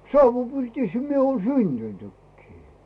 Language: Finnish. savupirtissä minä olen syntynytkin